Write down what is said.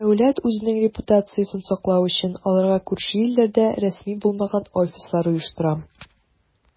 Дәүләт, үзенең репутациясен саклау өчен, аларга күрше илләрдә рәсми булмаган "офислар" оештыра.